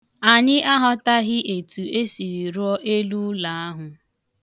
Anyị aghọtaghị etu e siri rụọ eluụlọ ahụ.